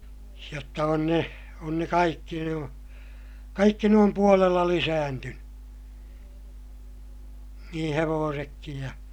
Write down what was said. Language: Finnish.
jotta on ne on ne kaikki nuo kaikki ne on puolella lisääntynyt niin hevosetkin ja